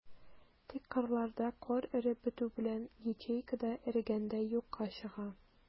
Тик кырларда кар эреп бетү белән, ячейка да эрегәндәй юкка чыга.